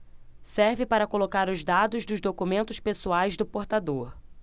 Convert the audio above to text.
serve para colocar os dados dos documentos pessoais do portador